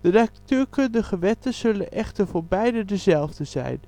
De natuurkundige wetten zullen echter voor beiden dezelfde zijn